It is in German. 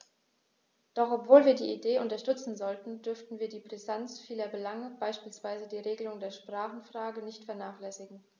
Doch obwohl wir die Idee unterstützen sollten, dürfen wir die Brisanz vieler Belange, beispielsweise die Regelung der Sprachenfrage, nicht vernachlässigen.